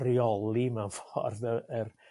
rheoli mewn ffordd yr